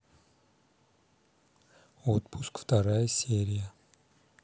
отпуск вторая серия